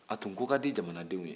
a tun ko ka di jamanadenw ye